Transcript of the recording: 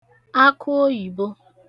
akụoyìbo